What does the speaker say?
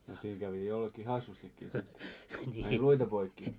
no siinä kävi jollekin hassustikin sitten meni luita poikki